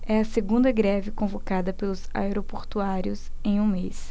é a segunda greve convocada pelos aeroportuários em um mês